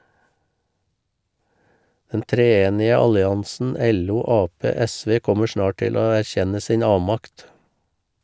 Den treenige alliansen LO-Ap-SV kommer snart til å erkjenne sin avmakt.